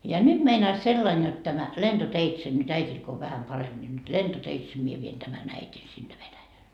ja nyt meinaisi sillä lailla jotta tämä lentoteitse nyt äidillä kun on vähän parempi niin nyt lentoteitse minä vien tämän äidin sinne Venäjälle